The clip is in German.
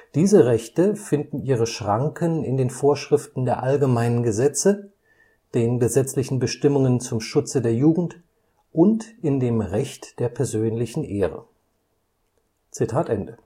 Diese Rechte finden ihre Schranken in den Vorschriften der allgemeinen Gesetze, den gesetzlichen Bestimmungen zum Schutze der Jugend und in dem Recht der persönlichen Ehre. “– Art. 5 Abs.